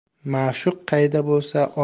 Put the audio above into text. ma'shuq qayda bo'lsa